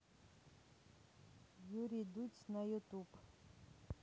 юрий дудь на ютуб